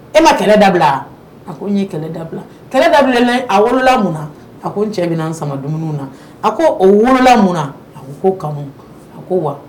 E ma kɛlɛ dabila a ko n ye kɛlɛ dabila kɛlɛ da a wolola mun a ko n cɛ bɛna sama dumuni na a ko o wolola mun a ko ko kama a ko wa